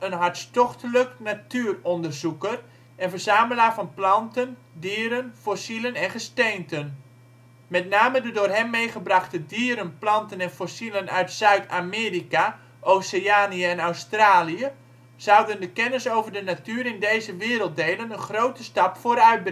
hartstochtelijk natuuronderzoeker en verzamelaar van planten, dieren, fossielen en gesteenten. Met name de door hem meegebrachte dieren, planten en fossielen uit Zuid-Amerika, Oceanië en Australië zouden de kennis over de natuur in deze werelddelen een grote stap vooruit brengen